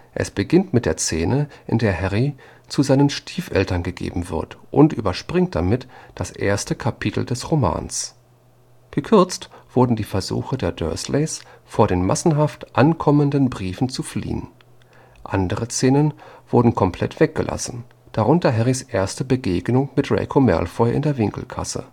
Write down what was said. Er beginnt mit der Szene, in der Harry zu seinen Stiefeltern gegeben wird, und überspringt damit das erste Kapitel des Romans. Gekürzt wurden die Versuche der Dursleys, vor den massenhaft ankommenden Briefen zu fliehen. Andere Szenen wurden komplett weggelassen, darunter Harrys erste Begegnung mit Draco Malfoy in der Winkelgasse